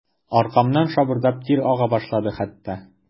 Аркамнан шабырдап тир ага башлады хәтта.